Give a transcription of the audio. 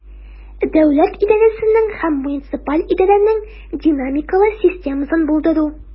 Дәүләт идарәсенең һәм муниципаль идарәнең динамикалы системасын булдыру.